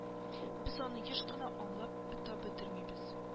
Без аны еш кына аңлап та бетермибез